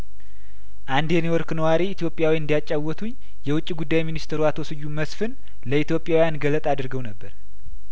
አንድ የኒውዮርክ ነዋሪ ኢትዮጵያዊ እንዳ ጫወቱኝ የውጭ ጉዳይ ሚኒስትሩ አቶ ስዩም መስፍን ለኢትዮጵያውያን ገለጣ አድርገው ነበር